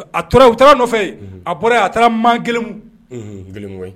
A tora u taara nɔfɛ a bɔra a taara man kelen kelen koyi